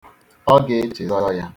Ọ ga-echezọ ya